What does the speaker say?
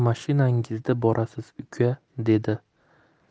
mashinangizda borasiz uka dedi